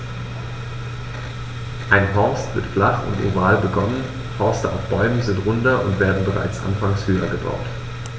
Ein Horst wird flach und oval begonnen, Horste auf Bäumen sind runder und werden bereits anfangs höher gebaut.